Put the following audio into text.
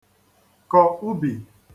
kọ ubi